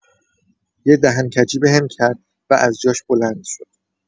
یه دهن‌کجی بهم کرد و از جاش بلند شد.